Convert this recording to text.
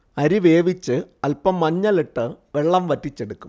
അരി വേവിച്ച് അൽപം മഞ്ഞളിട്ട് വെള്ളം വറ്റിച്ചെടുക്കും